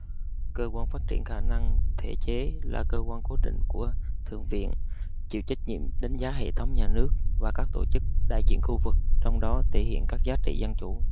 cơ quan phát triển khả năng thể chế là cơ quan cố định của thượng viện chịu trách nhiệm đánh giá hệ thống nhà nước và các tổ chức đại diện khu vực trong đó thể hiện các giá trị dân chủ